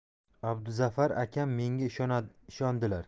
abduzafar akam menga ishondilar